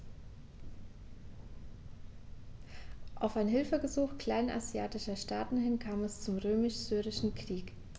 Auf ein Hilfegesuch kleinasiatischer Staaten hin kam es zum Römisch-Syrischen Krieg.